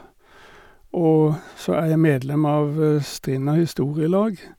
Og så er jeg medlem av Strinda historielag.